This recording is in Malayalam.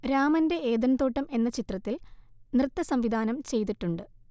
രാമന്റെ ഏദൻതോട്ടം എന്ന ചിത്രത്തിൽ നൃത്തസംവിധാനം ചെയ്തിട്ടുണ്ട്